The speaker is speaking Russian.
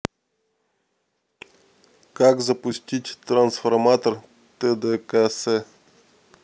как запустить трансформатор тдкс